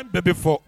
An bɛɛ bɛ fɔ